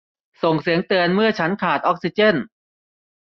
ส่งเสียงเตือนเมื่อฉันขาดออกซิเจน